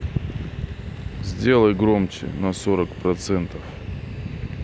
сделай громче на сорок процентов